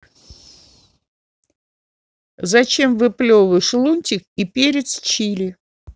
зачем выплевываешь лунтик и перец чили